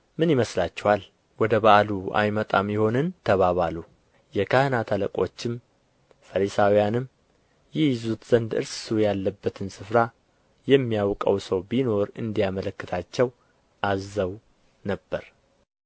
ምን ይመስላችኋል ወደ በዓሉ አይመጣም ይሆንን ተባባሉ የካህናት አለቆችም ፈሪሳውያንም ይይዙት ዘንድ እርሱ ያለበትን ስፍራ የሚያውቀው ሰው ቢኖር እንዲያመለክታቸው አዘው ነበር